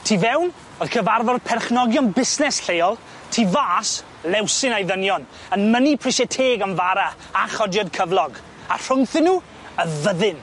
Tu fewn o'dd cyfarfod perchnogion busnes lleol, tu fas Lewsyn a'i ddynion yn mynnu prisie teg am fara a chodiad cyflog, a rhwngthyn nw y fyddin.